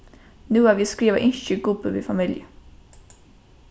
nú havi eg skrivað ynskir gubbi við familju